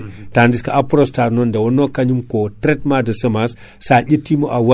eyyi no biɗen ni Aprostar kanko ko traitement de semence